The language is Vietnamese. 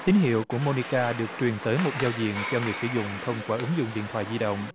tín hiệu của mô ni ca được truyền tới một giao diện cho người sử dụng thông qua ứng dụng điện thoại di động